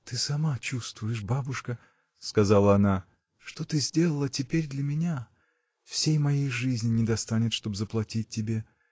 — Ты сама чувствуешь, бабушка, — сказала она, — что ты сделала теперь для меня: всей моей жизни не достанет, чтоб заплатить тебе.